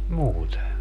muuten